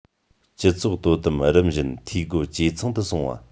སྤྱི ཚོགས དོ དམ རིམ བཞིན འཐུས སྒོ ཇེ ཚང དུ སོང བ